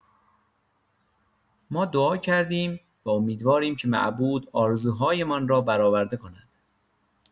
ما دعا کردیم و امیدواریم که معبود آرزوهای‌مان را برآورده کند.